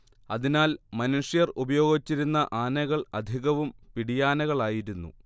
അതിനാൽ മനുഷ്യർ ഉപയോഗിച്ചിരുന്ന ആനകൾ അധികവും പിടിയാനകളായിരുന്നു